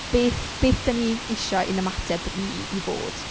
Beth beth dan ni isio i'n ymateb ni i fod?